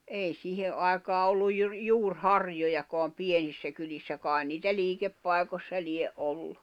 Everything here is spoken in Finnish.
ei siihen aikaan ollut juuriharjojakaan pienissä kylissä kai niitä liikepaikoissa lie ollut